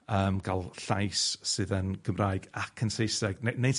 yym, ga'l llais sydd yn Gymraeg ac yn Saesneg ny- nid...